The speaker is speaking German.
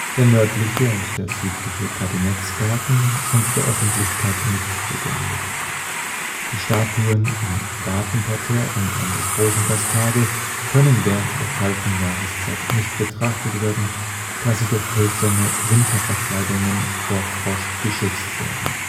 Der Nördliche und der Südliche Kabinettsgarten sind der Öffentlichkeit nicht zugänglich. Die Statuen im Gartenparterre und an der Großen Kaskade können während der kalten Jahreszeit nicht betrachtet werden, da sie durch hölzerne Winterverkleidungen vor Frost geschützt werden